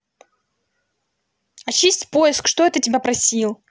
очисть поиск что это тебя просил